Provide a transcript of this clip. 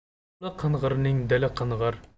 qo'li qing'irning dili qing'ir